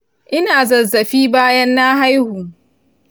ina zazzafi bayan na haihu